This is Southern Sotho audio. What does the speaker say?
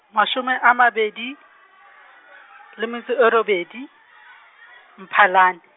mashome a mabedi, le metso e robedi, Mphalane.